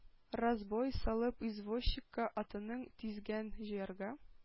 Разбой салып, извозчикка атының тизәген җыярга,